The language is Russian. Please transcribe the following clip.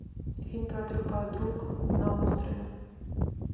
фильм про трех подруг на острове